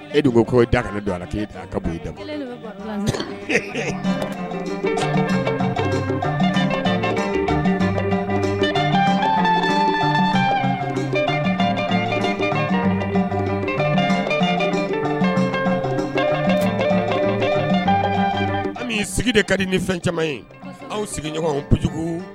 Edu k'o da ka don ala k' e ka bɔ da an'i sigi de ka di ni fɛn caman ye anw sigiɲɔgɔn kojugu